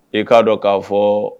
E k'a dɔn k'a fɔ